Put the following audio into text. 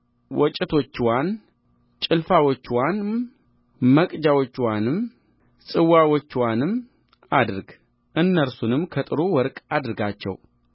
ወጭቶችዋን ጭልፋዎችዋንም መቅጃዎችዋንም ጽዋዎችዋንም አድርግ እነርሱንም ከጥሩ ወርቅ አድርጋቸው